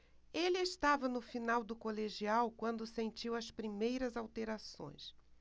ele estava no final do colegial quando sentiu as primeiras alterações